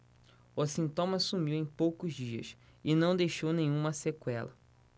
o sintoma sumiu em poucos dias e não deixou nenhuma sequela